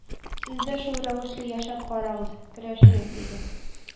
Сез дә шул рәвешле яшәп карагыз, көрәшегез, диде.